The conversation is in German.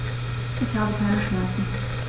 Ich habe keine Schmerzen.